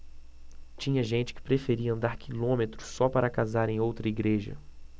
tinha gente que preferia andar quilômetros só para casar em outra igreja